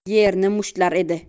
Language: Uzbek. yerni mushtlar edi